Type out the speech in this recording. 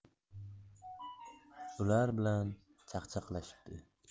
ular bilan chaqchaqlashibdi